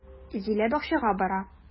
Зилә бакчага бара.